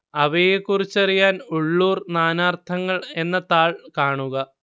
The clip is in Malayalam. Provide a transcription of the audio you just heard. അവയെക്കുറിച്ചറിയാൻ ഉള്ളൂർ നാനാർത്ഥങ്ങൾ എന്ന താൾ കാണുക